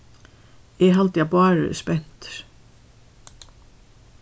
eg haldi at bárður er spentur